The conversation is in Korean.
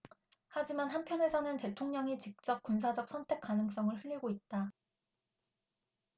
하지만 한편에서는 대통령이 직접 군사적 선택 가능성을 흘리고 있다